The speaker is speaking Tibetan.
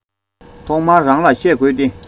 ཐོག མར རང ལ བཤད དགོས ཏེ